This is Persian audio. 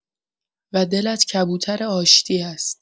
و دلت کبوتر آشتی است.